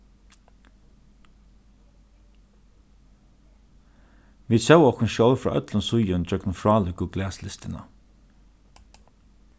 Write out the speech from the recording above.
vit sóu okkum sjálv frá øllum síðum gjøgnum frálíku glaslistina